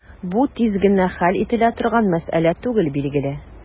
Бу тиз генә хәл ителә торган мәсьәлә түгел, билгеле.